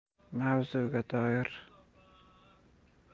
mavzuga doir